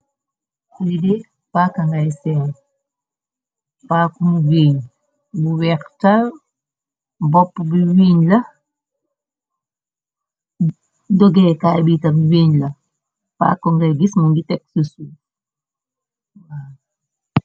Li de paaka ngay seen, paaku mu giiñ bu weex tal , bopp bi wiñ la, dogee kaay biitabi wiiñ la. Paaka nga gis mu ngi tek su suf.